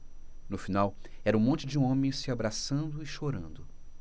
no final era um monte de homens se abraçando e chorando